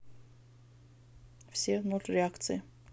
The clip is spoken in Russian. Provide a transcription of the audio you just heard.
все ноль реакции